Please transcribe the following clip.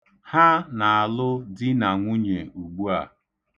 Ha na-alụ di na nwunye ugbua.